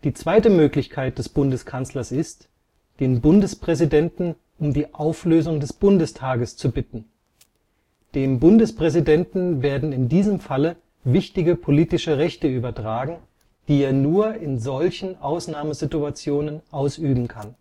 zweite Möglichkeit des Bundeskanzlers ist, den Bundespräsidenten um die Auflösung des Bundestages zu bitten. Dem Bundespräsidenten werden in diesem Falle wichtige politische Rechte übertragen, die er nur in solchen Ausnahmesituationen ausüben kann